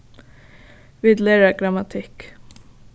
vit læra grammatikk